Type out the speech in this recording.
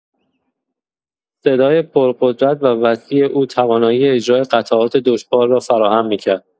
صدای پرقدرت و وسیع او توانایی اجرای قطعات دشوار را فراهم می‌کرد.